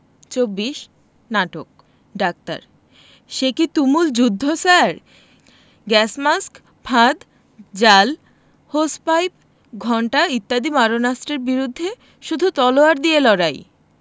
২৪নাটক doctor সেকি তুমুল যুদ্ধ স্যার গ্যাস মাস্ক ফাঁদ জাল হোস পাইপ ঘণ্টা ইত্যাদি মারণাস্ত্রের বিরুদ্ধে শুধু তলোয়ার দিয়ে লড়াই